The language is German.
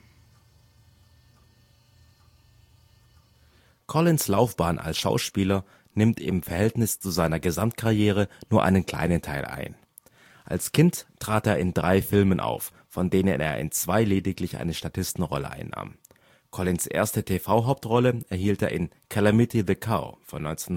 Collins ' Karriere als Schauspieler nimmt im Verhältnis zu seiner Gesamtkarriere nur einen kleinen Teil ein. Als Kind trat er in drei Filmen auf, von denen er in zwei lediglich eine Statistenrolle einnahm. Collins ' erste TV-Hauptrolle erhielt er in Calamity the Cow (1967